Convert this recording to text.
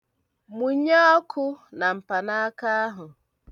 Munye ọkụ na mpanaaka ahụ.